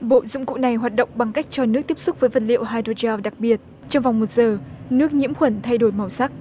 bộ dụng cụ này hoạt động bằng cách cho nước tiếp xúc với vật liệu hai đô gieo đặc biệt trong vòng một giờ nước nhiễm khuẩn thay đổi màu sắc